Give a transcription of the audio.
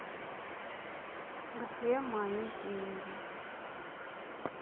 где мои деньги